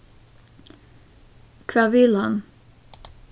hvat vil hann